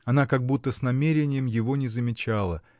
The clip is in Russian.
Она как будто с намерением его не замечала